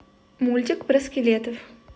мультик про скелетов